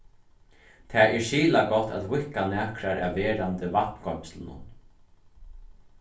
tað er skilagott at víðka nakrar av verandi vatngoymslunum